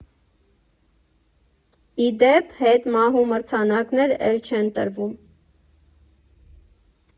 Ի դեպ, հետմահու մրցանակներ էլ չեն տրվում.